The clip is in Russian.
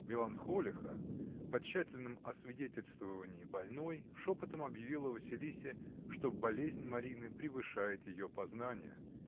Меланхолиха, по тщательном освидетельствовании больной, шепотом объявила Василисе, что болезнь Марины превышает ее познания.